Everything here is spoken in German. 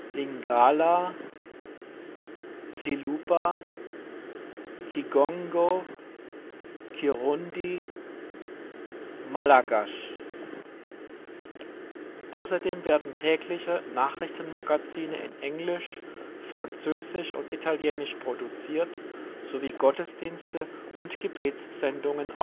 Lingala, Tshiluba, Kigongo, Kirundi, Malgasch. Außerdem werden tägliche Nachrichtenmagazine in Englisch, Französisch und Italienisch produziert sowie Gottesdienste und Gebetssendungen ausgestrahlt